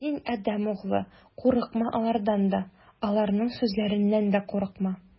Ә син, адәм углы, курыкма алардан да, аларның сүзләреннән дә курыкма.